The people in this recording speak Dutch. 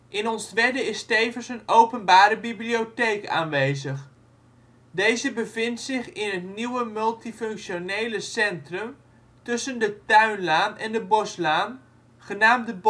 In Onstwedde is tevens een Openbare Bibliotheek aanwezig. Deze bevindt zich in het nieuwe multifunctionele centrum tussen de Tuinlaan en de Boslaan, genaamd